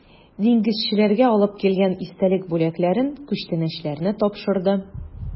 Диңгезчеләргә алып килгән истәлек бүләкләрен, күчтәнәчләрне тапшырды.